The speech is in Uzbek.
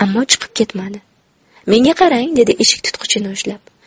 ammo chiqib ketmadi menga qarang dedi eshik tutqichini ushlab